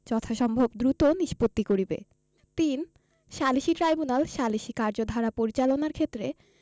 যথাসম্ভব দ্রুত নিষ্পত্তি করিবে ৩ সালিসী ট্রাইব্যুনাল সালিসী কার্যধারা পরিচালনার ক্ষেত্রে